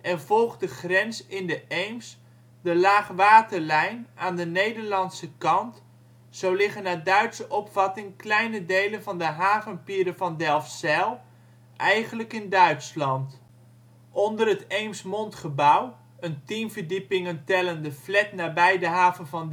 en volgt de grens in de Eems de laagwaterlijn aan de Nederlandse kant. Zo liggen naar Duitse opvatting kleine delen van de havenpieren van Delfzijl eigenlijk in Duitsland. Onder het Eemsmondgebouw (een 10 verdiepingen tellende flat nabij de haven van